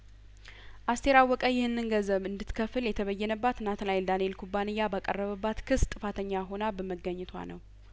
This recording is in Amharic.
አስቴር አወቀ ይህንን ገንዘብ እንድት ከፍል የተበየነ ባትናትናኤል ዳንኤል ኩባንያ ባቀረበባት ክስ ጥፋተኛ ሆና በመገኘቷ ነው